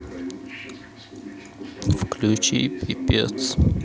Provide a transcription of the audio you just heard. включи пипец